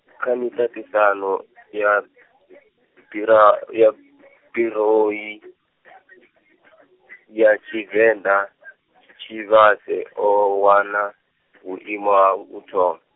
kha miṱaṱisano ya, bira-, ya, birou i, ya Tshivenḓa, Tshivhase, o wana, vhuimo ha uthoma.